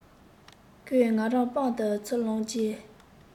ཁོས ང རང པང དུ ཚུར བླངས རྗེས